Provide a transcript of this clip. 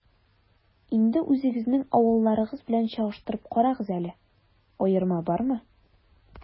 Инде үзегезнең авылларыгыз белән чагыштырып карагыз әле, аерма бармы?